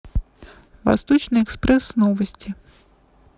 восточный экспресс новости